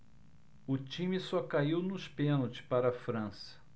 o time só caiu nos pênaltis para a frança